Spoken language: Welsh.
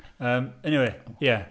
Yym eniwe ie.